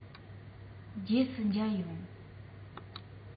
རྗེས སུ མཇལ ཡོང